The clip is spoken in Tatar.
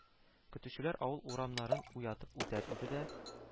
Көтүчеләр авыл урамнарын уятып үтәр иде дә,